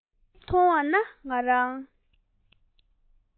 ཚུལ འདི མཐོང བ ན ང རང